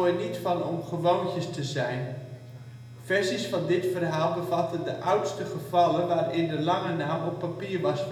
niet van om gewoontjes te zijn. " Versies van dit verhaal bevatten de oudste gevallen waarin de lange naam op papier was verschenen